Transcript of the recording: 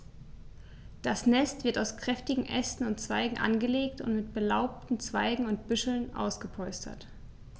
Das Nest wird aus kräftigen Ästen und Zweigen angelegt und mit belaubten Zweigen und Büscheln ausgepolstert.